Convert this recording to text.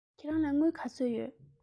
ཁྱེད རང ལ དངུལ ག ཚོད ཡོད